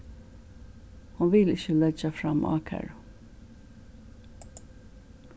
hon vil ikki leggja fram ákæru